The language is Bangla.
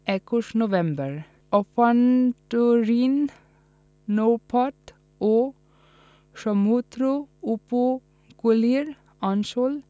২১ নভেম্বর আভ্যন্তরীণ নৌপথ ও সমুদ্র উপকূলীয় অঞ্চল